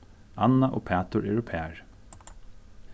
anna og pætur eru par